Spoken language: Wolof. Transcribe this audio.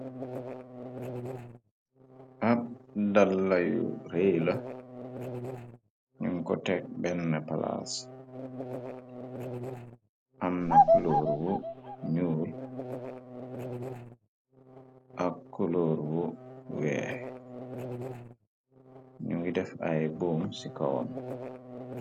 Ab dallayu rey la ñum ko teg benn palaas am na kuloor wu nuul ak culóor wu weex ñu ngi def ay boom ci kawam.